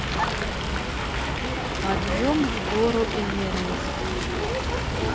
подъем в гору эверест